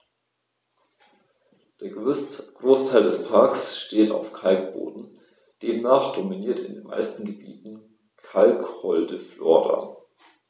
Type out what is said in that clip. Ein Großteil des Parks steht auf Kalkboden, demnach dominiert in den meisten Gebieten kalkholde Flora.